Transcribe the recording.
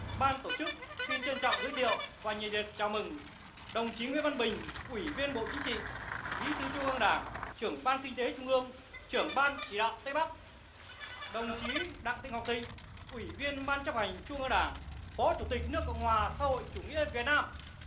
ban tổ chức xin trân trọng giới thiệu và nhiệt liệt chào mừng đồng chí nguyễn văn bình ủy viên bộ chính trị bí thư trung ương đảng trưởng ban kinh tế trung ương trưởng ban chỉ đạo tây bắc đồng chí đặng thị ngọc thịnh ủy viên ban chấp hành trung ương đảng phó chủ tịch nước cộng hòa xã hội chủ nghĩa việt nam